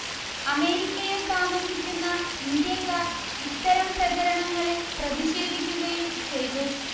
അമേരിക്കയിൽ താമസിക്കുന്ന ഇന്ത്യക്കാർ ഇത്തരം പ്രചരണങ്ങളിൽ പ്രതിഷേധിക്കുകയും ചെയ്തു